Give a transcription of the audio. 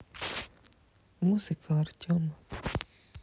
музыка артема